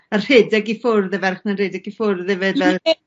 a rhedeg i ffwrdd, y ferch 'na'n redeg i ffwrdd efyd fel